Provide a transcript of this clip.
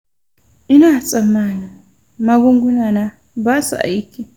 ina tsammanin magungunana basu aiki.